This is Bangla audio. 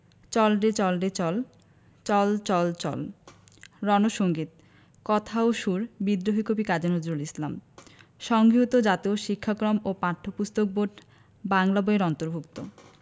চল রে চল রে চল চল চল চল রন সঙ্গীত কথা ও সুর বিদ্রোহী কবি কাজী নজরুল ইসলাম সংগৃহীত জাতীয় শিক্ষাক্রম ও পাঠ্যপুস্তক বোর্ড বাংলা বই এর অন্তর্ভুক্ত